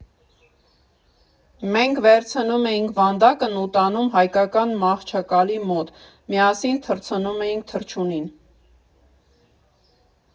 Մենք վերցնում էինք վանդակն ու տանում հայրական մահճակալի մոտ, միասին թռցնում էինք թռչունին.